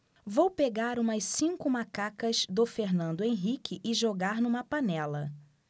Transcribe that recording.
vou pegar umas cinco macacas do fernando henrique e jogar numa panela